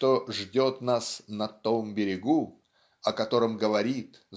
что ждет нас "на том берегу" (о котором говорит